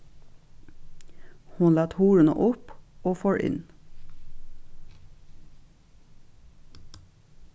hon læt hurðina upp og fór inn